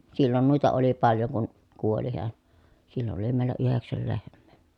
silloin noita oli paljon kun kuoli hän silloin oli meillä yhdeksän lehmää